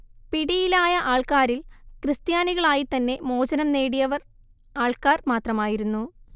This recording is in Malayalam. പിടിയിലായ ആൾക്കാരിൽ ക്രിസ്ത്യാനികളായിത്തന്നെ മോചനം നേടിയവർ ആൾക്കാർ മാത്രമായിരുന്നു